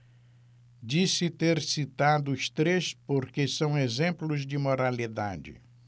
disse ter citado os três porque são exemplos de moralidade